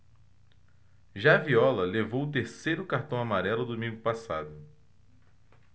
já viola levou o terceiro cartão amarelo domingo passado